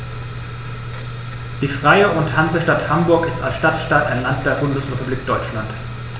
Die Freie und Hansestadt Hamburg ist als Stadtstaat ein Land der Bundesrepublik Deutschland.